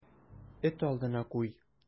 Эт алдына куй.